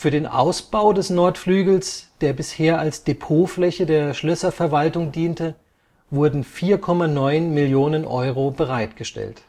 den Ausbau des Nordflügels, der bisher als Depotfläche der Schlösserverwaltung diente, wurden 4,9 Millionen Euro bereitgestellt